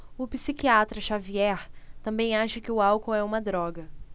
o psiquiatra dartiu xavier também acha que o álcool é uma droga